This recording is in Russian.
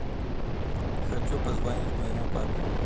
хочу позвонить моему папе